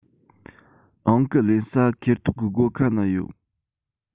ཨང ཀི ལེན ས ཁེར ཐོག གི སྒོ ཁ ན ཡོད